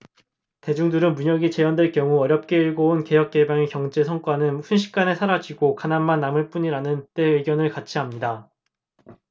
대중들은 문혁이 재연될 경우 어렵게 일궈 온 개혁개방의 경제 성과는 순식간에 사라지고 가난만 남을 뿐이라는데 의견을 같이 합니다